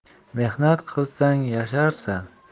mehnat qilsang yasharsan